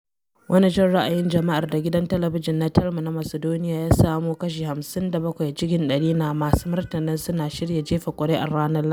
Wani jin ra’ayin jama’ar, da gidan talabijin na Telma na Macedonia, ya samo kashi 57 cikin ɗari na masu martanin suna shirya jefa kuri’ar ranar Lahadi.